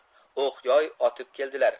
o'q yoy otib keldilar